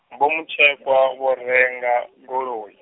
Vho Mutshekwa vho renga, goloi.